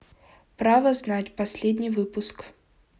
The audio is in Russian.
право знать последний выпуск